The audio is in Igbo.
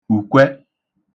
ùkwẹ